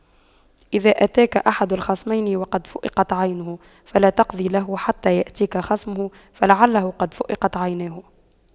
إذا أتاك أحد الخصمين وقد فُقِئَتْ عينه فلا تقض له حتى يأتيك خصمه فلعله قد فُقِئَتْ عيناه